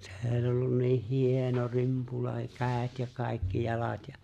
se oli ollut niin hieno rimpula kädet ja kaikki jalat ja